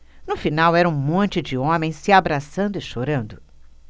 no final era um monte de homens se abraçando e chorando